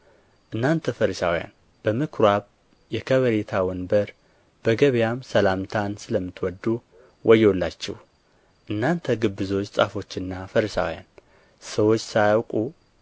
እናንተ ፈሪሳውያን በምኵራብ የከበሬታ ወንበር በገበያም ሰላምታ ስለምትወዱ ወዮላችሁ እናንተ ግብዞች ጻፎችና ፈሪሳውያን ሰዎች ሳያውቁ